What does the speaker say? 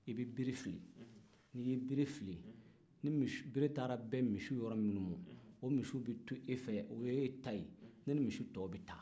i bɛ bere fili n'i ye bere fili ni bere taara bɛn misiw yɔrɔ minnu ma o misiw bɛ to e fɛ o y'e ta ye ne ni misi tɔw bɛ taa